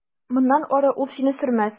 Моннан ары ул сине сөрмәс.